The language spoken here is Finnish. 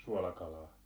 suolakalaa